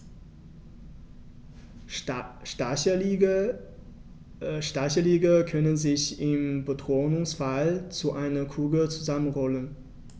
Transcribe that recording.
Stacheligel können sich im Bedrohungsfall zu einer Kugel zusammenrollen.